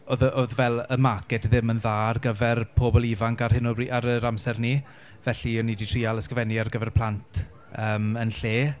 Oedd y oedd fel y market ddim yn dda ar gyfer pobl ifanc ar hyn o bryd... ar yr amser 'ny felly o'n i 'di trial ysgrifennu ar gyfer plant yym yn lle.